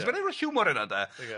So ma' 'na ryw hiwmor yna de . Ia.